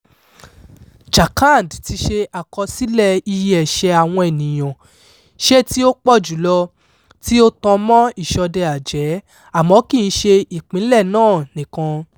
Jharkhand ti ṣe àkọsílẹ̀ iye ẹṣẹ̀ àwọn ènìyán ṣẹ̀ tí ó pọ̀ jù lọ tí ó tan mọ́ ìṣọdẹ-àjẹ́ àmọ́ kì í ṣe ìpínlẹ̀ náà nìkan.